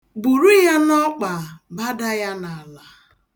Buru ya n'ọkpa, bada ya n'ala.